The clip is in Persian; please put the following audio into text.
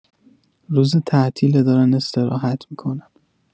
روز تعطیله دارن استراحت می‌کنن